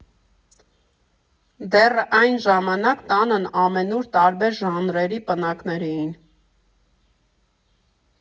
Դեռ այն ժամանակ տանն ամենուր տարբեր ժանրերի պնակներ էին։